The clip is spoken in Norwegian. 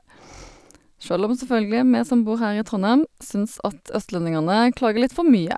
Sjøl om selvfølgelig vi som bor her i Trondheim syns at østlendingene klager litt for mye.